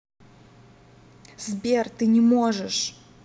сбер ты не можешь